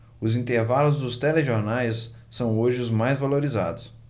os intervalos dos telejornais são hoje os mais valorizados